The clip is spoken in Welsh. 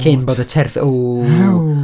Cyn bod y terf- ww.